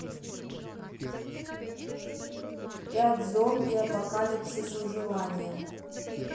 пять зомби апокалипсис выживание